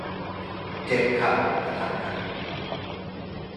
เจ็บเข่ากะทันหัน